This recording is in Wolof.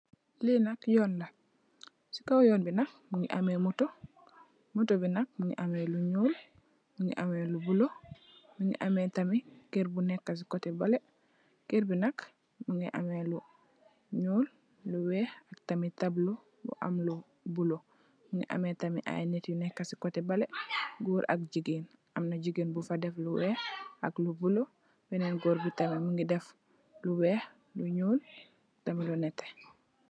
Li nak yoon la sey kaw yoon bi nak Mungi ameh motor, motor bi nak mungi ameh lu nyuul Mungi ameh lu buloo Mungi ameh tamit kerr bu neka sey koteh beleh kerr bi nak mungi ameh lu nyuul lu weih tamit tabuloo bu am lu buluu Mungi ameh tamit i nit yu neka sey koteh beleh gorr ak gigain amna gigain bufa deff lu weih ak lu buluu benen gorr bi tamit Mungi deff lu weih lu nyuul tamit lu neteh.